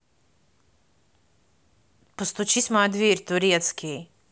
постучись в мою дверь турецкий